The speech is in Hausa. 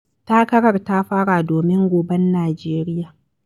Takarar ta fara domin goben Najeriya